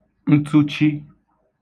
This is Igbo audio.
ntụchi